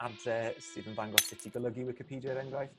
adre sydd yn ddangos sut i golygu wicipedia er enghraifft.